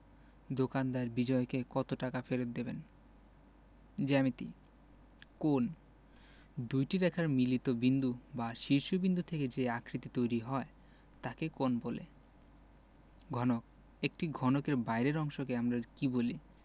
দোকানদার বিজয়কে কত টাকা ফেরত দেবেন জ্যামিতিঃ কোণঃ দুইটি রেখার মিলিত বিন্দু বা শীর্ষ বিন্দু থেকে যে আকৃতি তৈরি হয় তাকে কোণ বলে ঘনকঃ একটি ঘনকের বাইরের অংশকে আমরা কী বলি